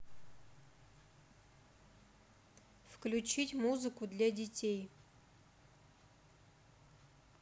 включить музыку для детей